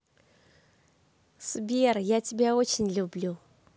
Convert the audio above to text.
сбер я тебя очень люблю